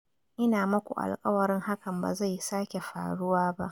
Ina maku alƙawarin hakan ba zai sake faruwa ba.